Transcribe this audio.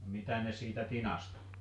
mitä ne siitä tinasta